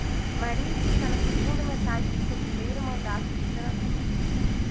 mariz está na segunda metade do seu primeiro mandato de senador